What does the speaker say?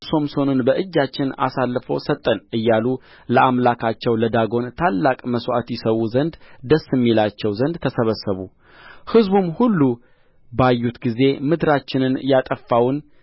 ሶምሶንን በእጃችን አሳልፎ ሰጠን እያሉ ለአምላካቸው ለዳጎን ታላቅ መሥዋዕት ይሠዉ ዘንድ ደስም ይላቸው ዘንድ ተሰበሰቡ ሕዝቡም ሁሉ ባዩት ጊዜ ምድራችንን ያጠፋውን